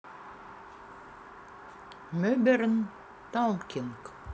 modern talking